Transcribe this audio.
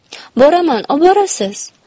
boraman oborasiz